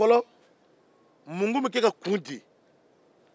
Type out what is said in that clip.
mun tun be ke ka kun di fɔlɔ